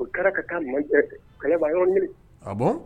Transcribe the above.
O kɛra ka taa kɛlɛba yɔrɔ ɲini